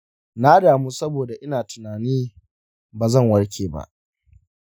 na damu saboda ina tunani bazan warke ba.